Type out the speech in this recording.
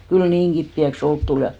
kyllä niin kipeäksi olka tuli ja